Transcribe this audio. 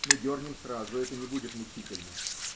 Мы дернем сразу, это не будет мучительно.